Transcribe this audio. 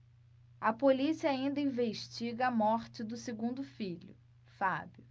a polícia ainda investiga a morte do segundo filho fábio